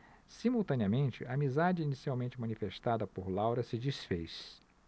simultaneamente a amizade inicialmente manifestada por laura se disfez